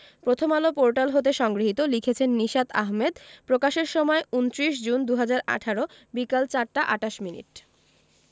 Prothom Alo portal হতে সংগৃহীত লিখেছেন নিশাত আহমেদ প্রকাশের সময় ২৯ জুন ২০১৮ বিকেল ৪টা ২৮ মিনিট